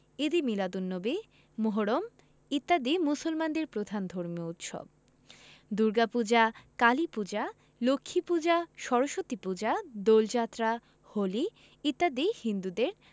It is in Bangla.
ঈদে মীলাদুননবী মুহররম ইত্যাদি মুসলমানদের প্রধান ধর্মীয় উৎসব দুর্গাপূজা কালীপূজা লক্ষ্মীপূজা সরস্বতীপূজা দোলযাত্রা হোলি ইত্যাদি হিন্দুদের